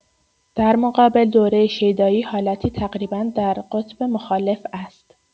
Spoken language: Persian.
در مقابل، دوره شیدایی حالتی تقریبا در قطب مخالف است.